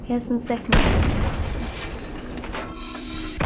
hesin setningurin er rættur